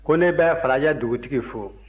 ko ne bɛ falajɛ dugutigi fo